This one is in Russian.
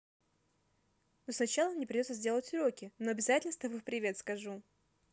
ну сначала мне придется сделать уроки но обязательно с тобой привет скажу